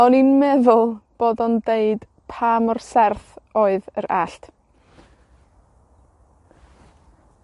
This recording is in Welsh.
On i'n meddwl bod o'n deud pa mor serth oedd yr allt.